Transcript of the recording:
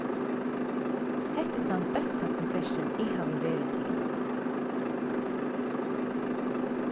hetta er tann besta konsertin eg havi verið til